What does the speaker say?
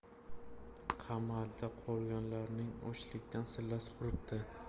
qamalda qolganlarning ochlikdan sillasi quribdi